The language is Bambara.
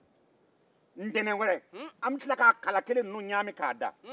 ntɛnɛn wɛrɛ an be tila k'a kala kelen ninnu ɲaami k'a da